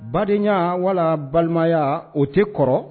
Badenyaya wala balimaya o tɛ kɔrɔ